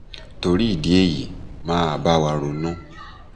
Torí ìdí èyí máa bá wa ronú!